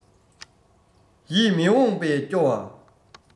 ཡིད མི འོང པས སྐྱོ བ